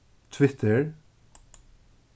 twitter